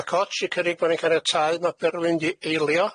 Ma' Coj 'di cynnig bo' ni'n caniatáu ma' Berwyn 'di eilio,